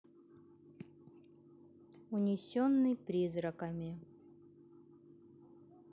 унесенный призраками